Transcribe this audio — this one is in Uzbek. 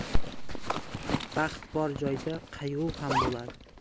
baxt bor joyda qayg'u ham bo'ladi